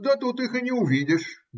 - Да тут их и не увидишь!